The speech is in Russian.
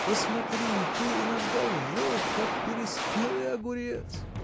Посмотри, ты иногда желт, как переспелый огурец.